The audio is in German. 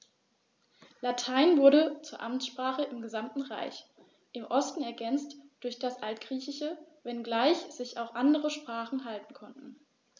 Latein wurde zur Amtssprache im gesamten Reich (im Osten ergänzt durch das Altgriechische), wenngleich sich auch andere Sprachen halten konnten.